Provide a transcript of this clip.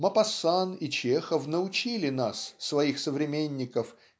Мопассан и Чехов научили нас своих современников